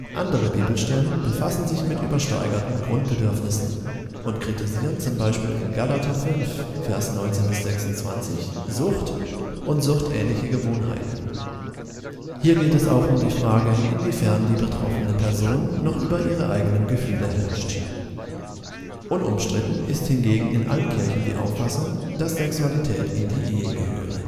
Andere Bibelstellen befassen sich mit übersteigerten Grundbedürfnissen und kritisieren z. B. in Gal 5,19-26 LUT Sucht und suchtähnliche Gewohnheiten. Hier geht es auch um die Frage, inwiefern die betroffene Person noch über ihre eigenen Gefühle herrscht. Unumstritten ist hingegen in allen Kirchen die Auffassung, dass Sexualität in die Ehe gehöre